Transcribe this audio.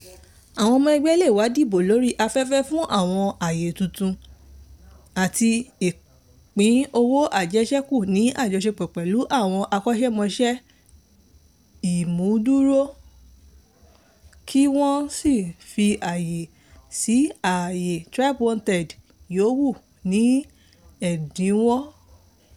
Àwọn ọmọ ẹgbẹ́ lè wá dìbò lórí afẹ́fẹ́ fún àwọn àyè tuntun àti pínpín owó àjẹṣẹ́kù, ní àjọṣepọ̀ pẹ̀lú àwọn akọ́ṣẹ́mọṣẹ́ ìmúdúró, kí wọn ó sì fi àyè sí ààyè TribeWanted yòówù ní ẹ̀dínwó.